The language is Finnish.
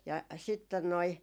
ja sitten noin